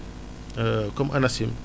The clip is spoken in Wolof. comme ANACIM